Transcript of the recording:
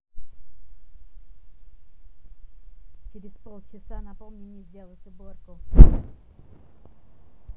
через полчаса напомни мне сделать уборку